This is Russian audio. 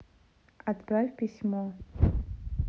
отправь письмо